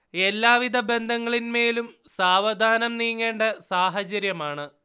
എല്ലാ വിധ ബന്ധങ്ങളിന്മേലും സാവധാനം നീങ്ങേണ്ട സാഹചര്യമാണ്